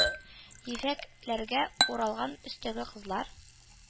Ефәк ләргә уралган өстәге кызлар,